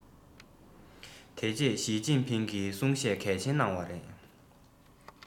དེ རྗེས ཞིས ཅིན ཕིང གིས གསུང བཤད གལ ཆེན གནང བ རེད